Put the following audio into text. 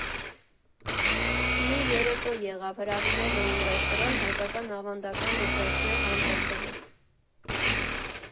Մի երեկո եղավ, հրավիրել էին ռեստորան, հայկական ավանդական ուտեսներ համտեսելու։